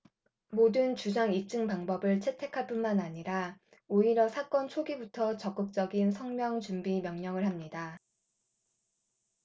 모든 주장 입증 방법을 채택할 뿐만 아니라 오히려 사건 초기부터 적극적인 석명준비 명령을 합니다